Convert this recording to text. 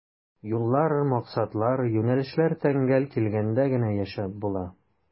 Юллар, максатлар, юнәлешләр тәңгәл килгәндә генә яшәп була.